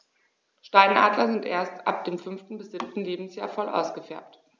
Steinadler sind erst ab dem 5. bis 7. Lebensjahr voll ausgefärbt.